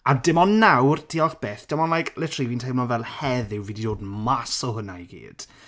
A dim ond nawr, diolch byth. Dim ond like literally fi'n teimlo fel heddiw fi 'di dod mas o hwnna i gyd.